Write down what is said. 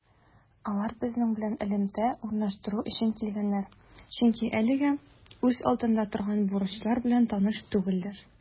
Алар безнең белән элемтә урнаштыру өчен килгәннәр, чөнки әлегә үз алдында торган бурычлар белән таныш түгелләр.